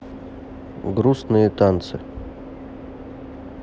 грустные танцы